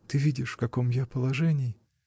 Ты видишь, в каком я положении.